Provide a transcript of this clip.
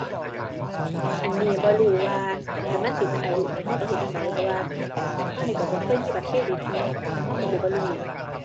อันนี้บ่รู้ว่า คันมันสิเบิดอายุหนิเราต้องเฮ็ดจั่งใด เพราะว่าเรานี้เราบ่เคยมีบัตรเครดิตเนาะ อื้อ เราเราสิบ่รู้